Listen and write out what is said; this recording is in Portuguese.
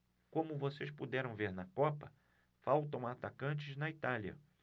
como vocês puderam ver na copa faltam atacantes na itália